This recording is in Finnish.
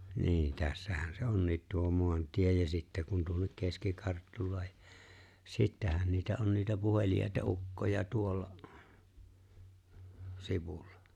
niin tässähän se on tuo maantie ja sitten kun tuokin keski-Karttulakin sittenhän niitä on niitä puheliaita ukkoja tuolla sivulla